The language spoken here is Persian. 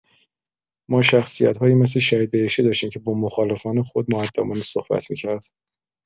ما شخصیت‌هایی مثل شهیدبهشتی داشتیم که با مخالفان خود مودبانه صحبت می‌کرد.